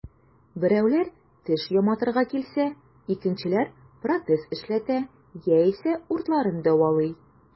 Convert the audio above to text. Берәүләр теш яматырга килсә, икенчеләр протез эшләтә яисә уртларын дәвалый.